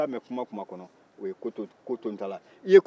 n'i ye sa mɛn kuma o kuma kɔnɔ o ye kotontala ye